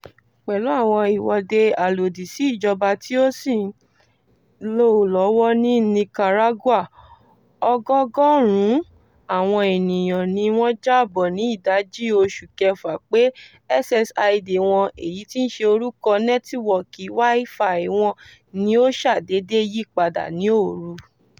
Pẹ̀lú àwọn ìwọ́de alòdì sí ìjọba tí ó sì ń lọ lọ́wọ́ ní Nicaragua, ọgọgọ́rùn-ún àwọn ènìyàn ni wọ́n jábọ̀ ni ìdajì oṣù Kẹfà pé SSID wọn (èyí tí í ṣe orúkọ nẹ́tíwọ́ọ̀kì WI-FI wọn) ni ó ṣàdédé yí padà ní òru